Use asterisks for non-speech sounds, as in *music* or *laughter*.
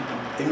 *hesitation* *hesitation*